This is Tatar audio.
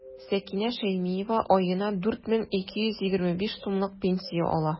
Сәкинә Шәймиева аена 4 мең 225 сумлык пенсия ала.